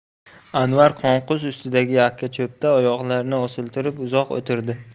anvar qonqus ustidagi yakkacho'pda oyoqlarini osiltirib uzoq o'tirdi